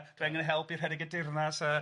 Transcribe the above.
a dwi angen help i redeg y dyrnas a